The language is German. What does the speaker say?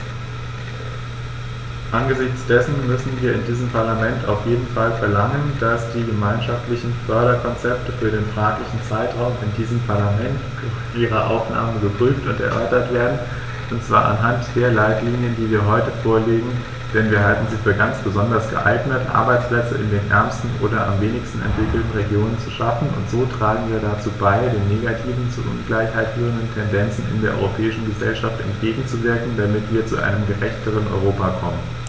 Angesichts dessen müssen wir in diesem Parlament auf jeden Fall verlangen, dass die gemeinschaftlichen Förderkonzepte für den fraglichen Zeitraum in diesem Parlament vor ihrer Annahme geprüft und erörtert werden, und zwar anhand der Leitlinien, die wir heute vorlegen, denn wir halten sie für ganz besonders geeignet, Arbeitsplätze in den ärmsten oder am wenigsten entwickelten Regionen zu schaffen, und so tragen wir dazu bei, den negativen, zur Ungleichheit führenden Tendenzen in der europäischen Gesellschaft entgegenzuwirken, damit wir zu einem gerechteren Europa kommen.